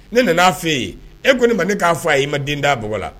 Ne nanaa f'e ye, e ko ne ma, ne k'a f'a ye, i ma den da a bɔgɔ la